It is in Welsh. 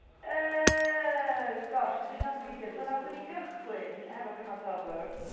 Yy, gosh, sut wnaeth o weithio? So wnaethon ni gychwyn hefo cyfansoddwr...